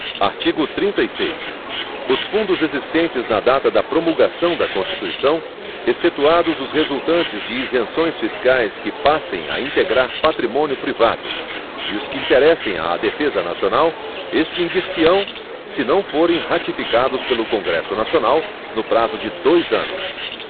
artigo trinta e seis os fundos existentes na data da promulgação da constituição excetuados os resultantes de isenções fiscais que passem a integrar patrimônio privado e os que interessem à defesa nacional extinguir se ão se não forem ratificados pelo congresso nacional no prazo de dois anos